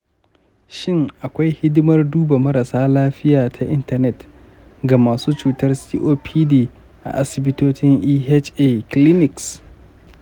shin akwai hidimar duba marasa lafiya ta intanet ga masu cutar copd a asibitocin eha clinics?